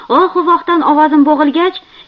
ohu vohdan ovozim bo'g'ilgach